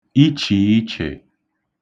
ichìichè